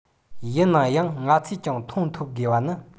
ཡིན ན ཡང ང ཚོས ཀྱང མཐོང ཐུབ དགོས པ ནི